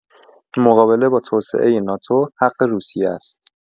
مقابله با توسعه ناتو، حق روسیه است.